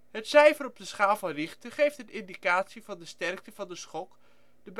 Het cijfer op de schaal van Richter geeft een indicatie van de sterkte van de schok, de